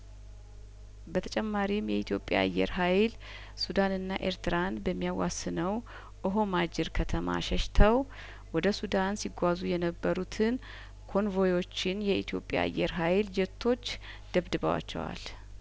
በተጨማሪም የኢትዮጵያ አየር ሀይል ሱዳንና ኤርትራን በሚያዋስ ነው ኦሆ ማጅር ከተማ ሸሽተው ወደ ሱዳን ሲጓዙ የነበሩትን ኮንቮዮችን የኢትዮጵያ አየር ሀይል ጄቶች ደብድበዋቸዋል